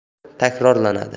tarix takrorlanadi